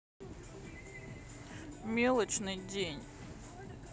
мелочный день